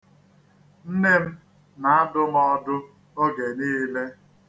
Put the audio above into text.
Ọ chọghị onye ga-adụ ya ọdụ.